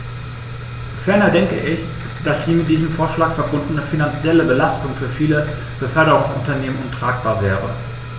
Ferner denke ich, dass die mit diesem Vorschlag verbundene finanzielle Belastung für viele Beförderungsunternehmen untragbar wäre.